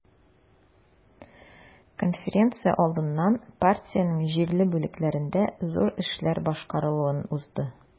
Конференция алдыннан партиянең җирле бүлекләрендә зур эшләр башкарылуын узды.